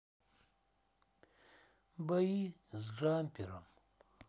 бои с джампером